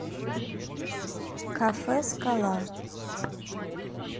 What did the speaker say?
кафе скала